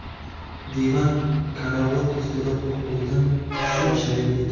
divan karavot ustida qo'rquvdan shumshayib